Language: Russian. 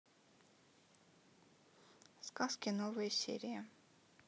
сказки новые серии